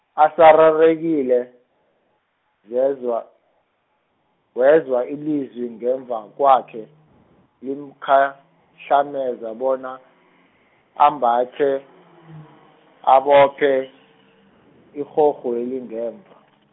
asararekile, zezwa, wezwa ilizwi ngemva kwakhe limkhahlameza bona, embethe abophe, irogweli ngemva.